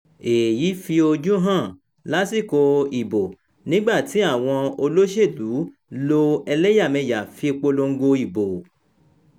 Èyí fi ojú hàn lásìkò ìbò nígbàtí àwọn olóṣèlú lo ẹlẹ́yàmẹ́lẹ́yá fi polongo ìbò.